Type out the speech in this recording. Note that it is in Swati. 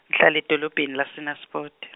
ngihlala edolobheni laseNaspoti.